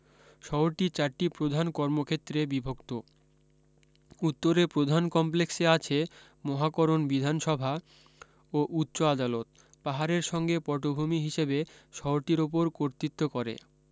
শহরটি চারটি প্রধান কর্মক্ষেত্রে বিভক্ত উত্তরে প্রধান কমপ্লেক্সে আছে মহাকরণ বিধানসভা ও উচ্চ আদালত পাহাড়ের সঙ্গে পটভূমি হিসেবে শহরটির উপর কর্তৃত্ব করে